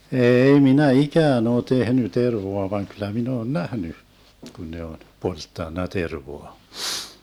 ei minä ikään ole tehnyt tervaa vaan kyllä minä olen nähnyt kun ne on polttanut tervaa